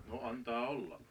no antaa olla